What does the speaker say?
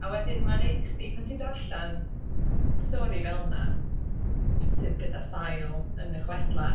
A wedyn mae'n wneud i chdi, pan ti'n darllen stori fel 'na sydd gyda sail yn y chwedlau.